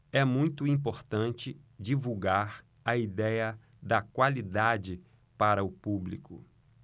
é muito importante divulgar a idéia da qualidade para o público